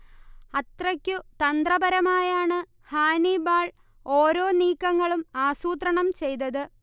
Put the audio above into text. അത്രയ്ക്കു തന്ത്രപരമായാണ് ഹാനിബാൾ ഒരോ നീക്കങ്ങളും ആസൂത്രണം ചെയ്തത്